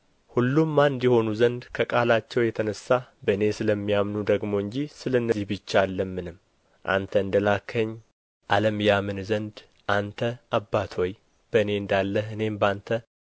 ሁሉም አንድ ይሆኑ ዘንድ ከቃላቸው የተነሣ በእኔ ስለሚያምኑ ደግሞ እንጂ ስለ እነዚህ ብቻ አልለምንም አንተ እንደ ላክኸኝ ዓለም ያምን ዘንድ አንተ አባት ሆይ በእኔ እንዳለህ እኔም በአንተ